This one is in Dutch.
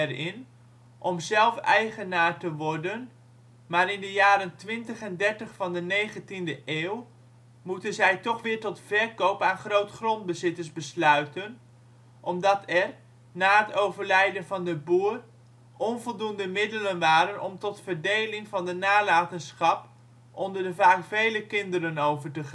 in om zelf eigenaar te worden maar in de jaren twintig en dertig van de 19de eeuw moeten zij toch weer tot verkoop aan groot-grondbezitters besluiten omdat er - na het overlijden van de boer - onvoldoende middelen waren om tot verdeling van de nalatenschap onder de vaak vele kinderen over te gaan